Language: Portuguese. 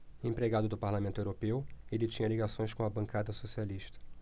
empregado do parlamento europeu ele tinha ligações com a bancada socialista